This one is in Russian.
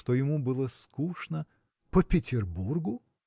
что ему было скучно – по Петербургу?!